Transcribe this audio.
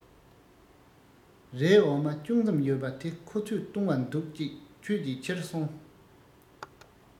རའི འོ མ ཅུང ཙམ ཡོད པ དེ ཁོ ཚོས བཏུང བ འདུག གཅིག ཁྱོད ཀྱིས ཁྱེར སོང